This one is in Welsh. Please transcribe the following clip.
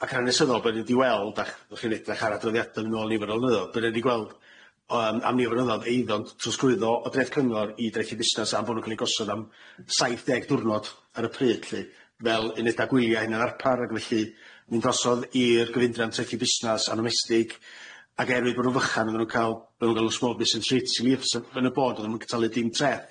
Ac yn hanesyddol bo' ni'n di weld a'ch o'ch chi'n edrych ar adroddiadyn nôl niferol nyddo bydden i gweld yym am nifer o nyddo aedd o'n trosglwyddo o dreth cyngor i drethu busnas am bo' nw'n ca'l i gosod am saith deg diwrnod ar y pryd lly fel i neud a gwylie a hynna'n arpar ag felly mi'n dosodd i'r gyfeindran trethu busnas a'nomestig ag erwydd bo' nw'n fychan o'dd nw'n ca'l bo' nw'n ga'l o's mowr bys yn trit i mi fysa yn y board o'dd nw'n talu dim treth.